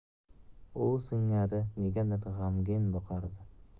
u singari negadir g'amgin boqardi